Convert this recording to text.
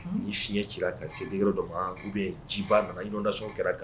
Ni fiɲɛ cira ka se degré dɔ maa ou bien jiba nana inondation kɛra ka